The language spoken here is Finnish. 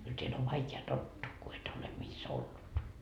kyllä täällä on vaikea tottuu kun et ole missä ollut